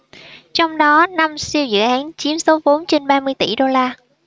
trong đó năm siêu dự án chiếm số vốn trên ba mươi tỷ đô la